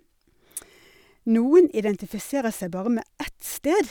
Noen identifiserer seg bare med ett sted.